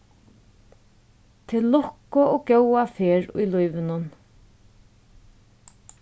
til lukku og góða ferð í lívinum